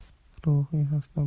ruhiy xasta bola